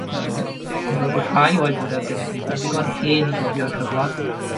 Yym, dwi'n gweld bod rhai o aelodau'r gynulleidfa'n ddigon hen i gofio'r cyfnod,